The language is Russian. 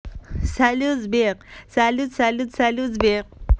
салют сбер салют салют салют сбер